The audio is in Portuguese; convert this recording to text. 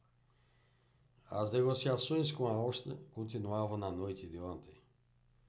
as negociações com a áustria continuavam na noite de ontem